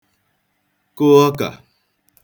kụ ọkā